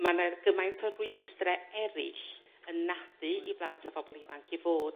ma' 'na gymaint o rwystre erill yn nadu i blant â pobl ifanc i fod